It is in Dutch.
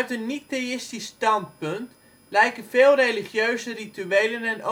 een niet-theïstisch standpunt lijken veel religieuze rituelen en